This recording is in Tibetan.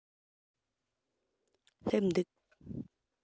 སླེབས འདུག